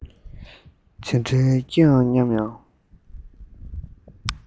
ཇི འདྲའི སྐྱིད ཨང སྙམ ཡང